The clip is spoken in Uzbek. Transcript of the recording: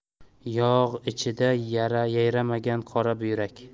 yog' ichida yayramagan qora buyrak